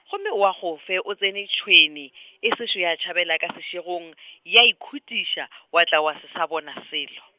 gomme oa go fe o tsene tšhwene , e sešo ya tšhabela ka sešegong , ya ikutiša , wa tla wa se sa bona selo.